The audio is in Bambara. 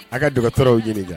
A ka dɔgɔtɔw j